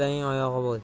oltining oyog'i bo'l